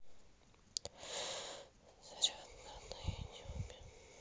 зарядка на ютубе